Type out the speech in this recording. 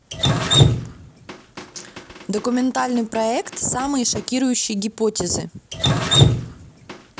документальный проект самые шокирующие гипотезы